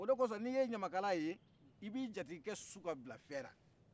o de kɔsɔ ni ye ɲamakalaye i b'i jatigikɛ su ka bila fɛn